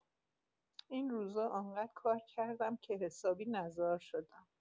این روزا انقد کار کردم که حسابی نزار شدم.